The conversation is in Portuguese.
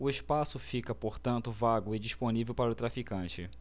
o espaço fica portanto vago e disponível para o traficante